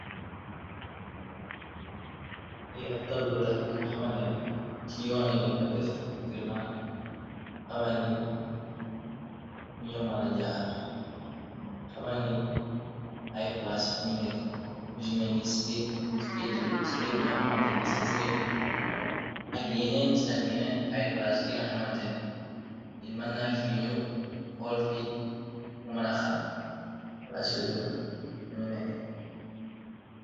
Li ab tablo la, bi nga xamantene ci yoonyileñ koy def, ngir mëna xamal ni ñi muñuw mëna jaar, xamal ni ñi ai plaage biñu nekk, yu simenni speed bi nga xamantene essenseri la, ak yeneen ci ak yeneen ai plage dinga xamantene nit mënnaak fiy ñuw, kool fi mu mëna xam rasiyo yunion buñu nekk.